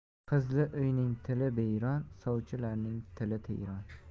qizli uyning tili biyron sovchilarning tili tiyron